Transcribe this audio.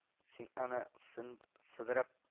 Син аны сын сыдырып